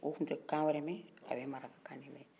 o tun tɛ kan wɛrɛ mɛ a bɛ maraka kan de mɛ